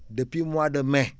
depuis mois de mai